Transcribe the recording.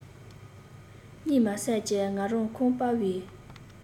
གཉིད མ སད ཀྱི ང རང ཁང པའི